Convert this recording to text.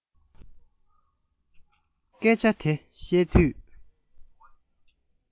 སྐད ཆ དེ བཤད དུས